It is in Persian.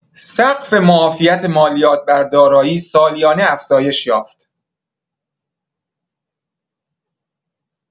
سقف معافیت مالیات بر دارایی سالیانه افزایش یافت.